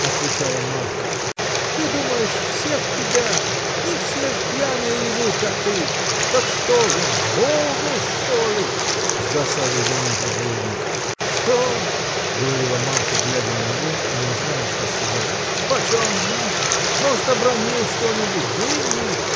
– отвечала Марфа, – ты думаешь, все в тебя? не все же пьяные ревут, как ты. – Так что ж он, с голоду, что ли? – с досадой заметил дворник. – Что! – говорила Марфа глядя на него и не зная что сказать – почем знать может обронил что-нибудь – деньги.